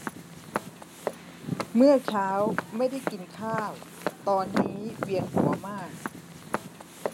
เมื่อเช้าไม่ได้กินข้าวตอนนี้เวียนหัวมาก